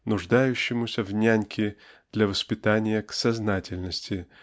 нуждающемуся в няньке для воспитания к "сознательности"